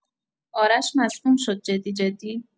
آرش مصدوم شد جدی جدی